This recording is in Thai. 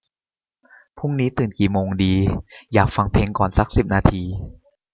พรุ่งนี้ตื่นกี่โมงดีอยากฟังเพลงก่อนซักสิบนาที